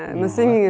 nei.